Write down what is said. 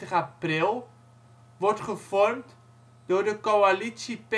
april, wordt gevormd door de coalitie